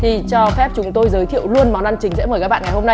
thì cho phép chúng tôi giới thiệu luôn món ăn chính sẽ mời các bạn ngày hôm nay